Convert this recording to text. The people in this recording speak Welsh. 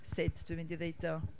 Sut dwi'n mynd i ddeud o?